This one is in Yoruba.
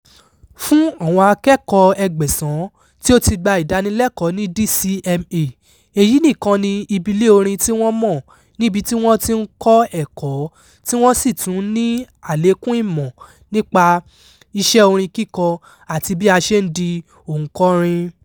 Fún àwọn akẹ́kọ̀ọ́ 1,800 tí ó ti gba ìdánilẹ́kọọ́ ní DCMA, èyí nìkan ni ibi ilé orin tí wọ́n mọ̀, níbi tí wọ́n ti ń kọ́ ẹ̀kọ́ tí wọ́n sì ti ń ní àlékún ìmọ̀ nípa iṣẹ́ orin kíkọ àti bí a ṣe ń di òǹkọrin.